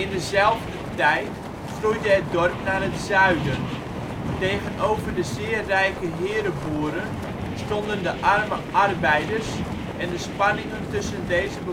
diezelfde tijd groeide het dorp naar het zuiden. Tegenover de zeer rijke herenboeren stonden de arme arbeiders en de spanningen tussen deze